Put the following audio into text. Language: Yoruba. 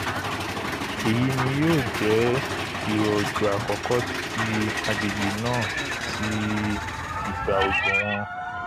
Èyí ni yóò jẹ́ ìrọ̀ òjò àkọ́kọ́ ti agbègbè náà ti ìgbà òjò wọn.